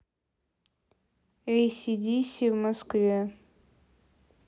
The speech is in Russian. эй си ди си в москве